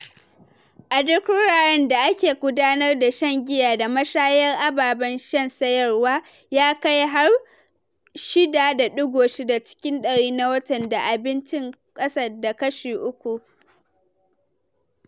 A duk wuraren da ake gudanar da shan giya da mashayar ababen sha sayarwa ya kai har 6.6 cikin dari na watan, da abinci kasa da kashi uku. "